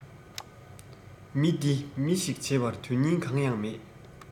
མི འདི མི ཞིག བྱེད པར དོན རྙིང གང ཡང མེད